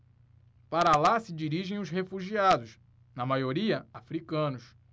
para lá se dirigem os refugiados na maioria hútus